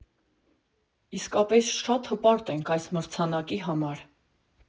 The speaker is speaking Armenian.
Իսկապես շատ հպարտ ենք այս մրցանակի համար.